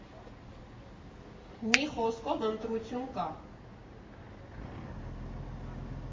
Մի խոսքով, ընտրություն կա։